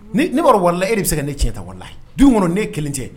Ni ne' warila e de bɛ se ka ne tiɲɛ tɛ wala du kɔnɔ ne ye kelen cɛ